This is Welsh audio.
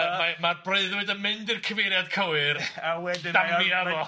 Ma' ma' ma'r breuddwyd yn mynd i'r cyfeiriad cywir, a wedyn damia fo,